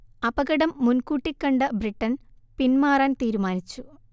അപകടം മുൻകൂട്ടി കണ്ട ബ്രിട്ടൻ പിന്മാറാൻ തീരുമാനിച്ചു